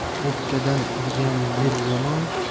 o'pkadan urgan yel yomon